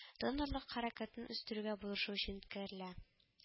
Донорлык хәрәкәтен үстерергә булышу өчен үткәрелә